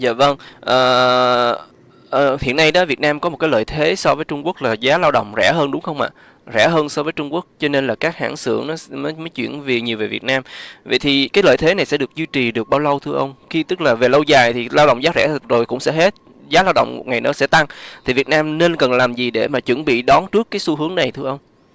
dạ vâng ờ ờ hiện nay đó việt nam có một cái lợi thế so với trung quốc là giá lao động rẻ hơn đúng không ạ rẻ hơn so với trung quốc cho nên là các hãng xưởng nếch nếch mới chuyển việc nhiều về việt nam vậy thì cái lợi thế này sẽ được duy trì được bao lâu thưa ông khi tức là về lâu dài thì lao động giá rẻ rồi cũng sẽ hết giá lao động một ngày nó sẽ tăng thì việt nam nên cần làm gì để mà chuẩn bị đón trước xu hướng này thưa ông